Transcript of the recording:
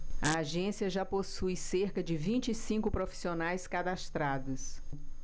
a agência já possui cerca de vinte e cinco profissionais cadastrados